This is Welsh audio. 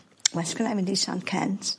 Well gynnai mynd i San Kent